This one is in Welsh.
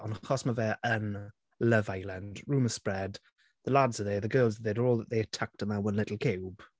Ond achos ma' fe yn Love Island, rumours spread the lads are there, the girls. They're all, they're tucked in that one little cube.